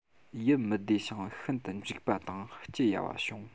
ཡིད མི བདེ ཞིང ཤིན ཏུ འཇིགས པ དང སྐྱི གཡའ བ བྱུང